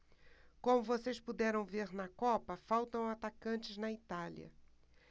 como vocês puderam ver na copa faltam atacantes na itália